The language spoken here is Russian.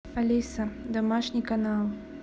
алиса домашний канал